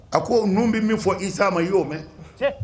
A ko ninnu bɛ min fɔ i'a ma i y'o mɛn